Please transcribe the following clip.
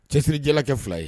Cɛsiriri jalakɛ fila ye